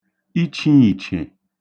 ichīìchè